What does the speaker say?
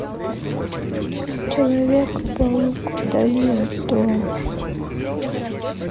человек паук в дали от дома